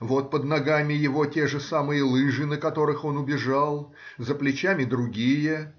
вот под ногами его те же самые лыжи, на которых он убежал, за плечами другие